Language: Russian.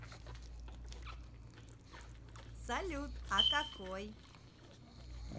салют а какой